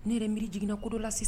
Ne yɛrɛ miri jiginna ko dɔ la sis